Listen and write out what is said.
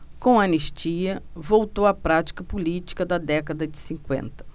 com a anistia voltou a prática política da década de cinquenta